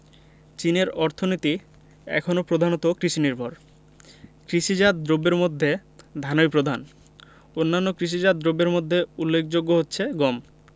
চীনের অর্থনীতি এখনো প্রধানত কৃষিনির্ভর কৃষিজাত দ্রব্যের মধ্যে ধানই প্রধান অন্যান্য কৃষিজাত দ্রব্যের মধ্যে উল্লেখযোগ্য হচ্ছে গম